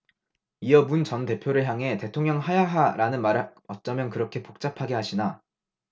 이어 문 전 대표를 향해 대통령 하야하라는 말을 어쩌면 그렇게 복잡하게 하시나